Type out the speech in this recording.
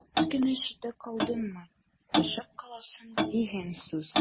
Әз генә читтә калдыңмы – төшеп каласың дигән сүз.